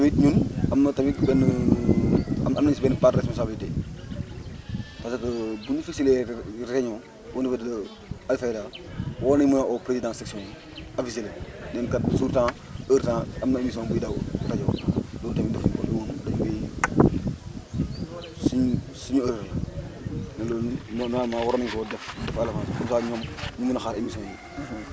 et puis tamit ñun am na tamit benn am nañ si benn part de responsabilité parce que bu ñu fësalee réunion au niveau de Alfayda wwar nañ mën a oo président section yi avisé leen ñun kat jour tant heure tant am na émission buy daw rajo loolu tamit defuñ ko de moom dañ koy suñ suñu erreur la mais loolu normalement waroon nañ koo def à l' avance comme ça ñoom ñu mun a xaar émissions yi